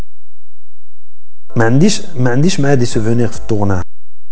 ما عنديش ما عنديش مهدي